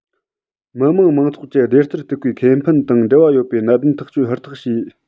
མི དམངས མང ཚོགས ཀྱི བདེ རྩར ཐུག པའི ཁེ ཕན དང འབྲེལ བ ཡོད པའི གནད དོན ཐག གཅོད ཧུར ཐག བྱས